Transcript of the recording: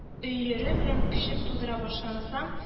Өере белән көчек тудыра башласам